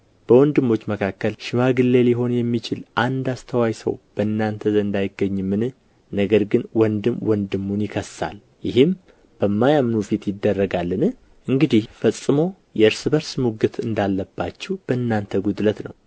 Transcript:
በወንድሞች መካከል ሽማግሌ ሊሆን የሚችል አንድ አስተዋይ ሰው በእናንተ ዘንድ አይገኝምን ነገር ግን ወንድም ወንድሙን ይከሳል ይህም በማያምኑ ፊት ይደረጋልን እንግዲህ ፈጽሞ የእርስ በርስ ሙግት እንዳለባችሁ በእናንተ ጉድለት ነው